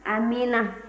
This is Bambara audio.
amiina